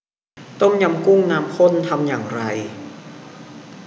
ต้มยำกุ้งน้ำข้นทำอย่างไร